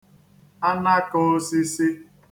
anaka ōsīsī